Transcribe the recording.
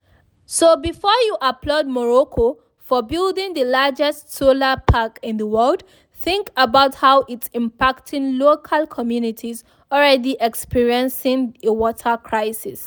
So before you applaud Morocco for building the largest solar park in the world, think about how it’s impacting local communities already experiencing a water crisis.